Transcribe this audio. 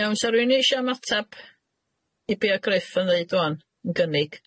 Iawn sa rywun isio ymatab i be o Gruff yn ddeud ŵan yn gynnig?